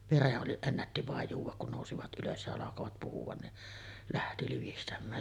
veren oli ennätti vain juoda kun nousivat ylös ja alkoivat puhua niin lähti livistämään